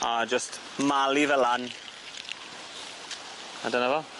A jyst malu fe lan a dyna fo.